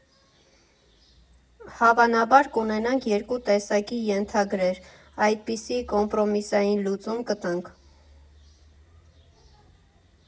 Հավանաբար կունենանք երկու տեսակի ենթագրեր, այդպիսի կոմպրոմիսային լուծում կտանք։